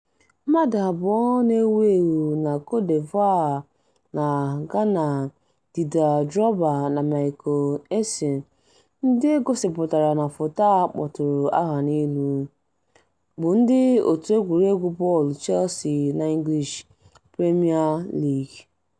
Mmadụ abụọ na-ewu ewu na Côte d'Ivoire na Ghana, Didier Drogba na Michael Essien (ndị e gosịpụtara na foto a kpọtụrụ aha n'elu) bụ ndị òtù egwuregwu bọọlụ Chelsea n'English Premier League.